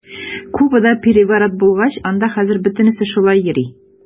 Кубада переворот булгач, анда хәзер күбесе шулай йөри.